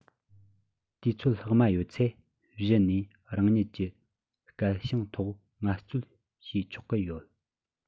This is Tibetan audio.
དུས ཚོད ལྷག མ ཡོད ཚེ གཞི ནས རང ཉིད ཀྱི སྐལ ཞིང ཐོག ངལ རྩོལ བྱས ཆོག གི ཡོད